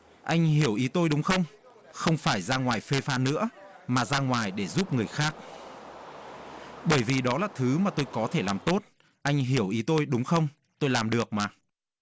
anh hiểu ý tôi đúng không không phải ra ngoài phê pha nữa mà ra ngoài để giúp người khác bởi vì đó là thứ mà tôi có thể làm tốt anh hiểu ý tôi đúng không tôi làm được mà